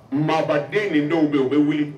Mamaden nin denw bɛ u bɛ wuli